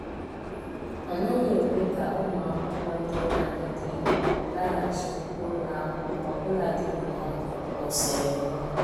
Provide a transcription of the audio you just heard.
A naghị ekwe ka ụmụ akwụkwọ ndị nwaanyị dị ime laghachi n’ụlọ akwụkwọ ọbụladị mgbe ha mụsịrị nwa.